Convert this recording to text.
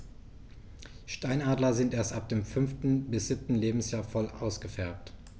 Steinadler sind erst ab dem 5. bis 7. Lebensjahr voll ausgefärbt.